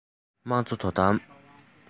དམངས གཙོ དོ དམ